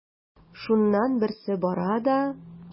Шуннан берсе бара да:.